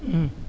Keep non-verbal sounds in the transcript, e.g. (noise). (hesitation)